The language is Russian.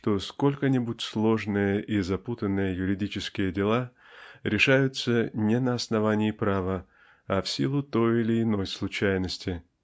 что сколько нибудь сложные и запутанные юридические дела решаются не на основании права а в силу той или иной случайности.